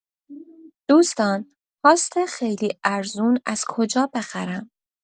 دوستان هاست خیلی ارزون از کجا بخرم؟